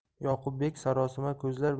yoqubbek sarosima ko'zlar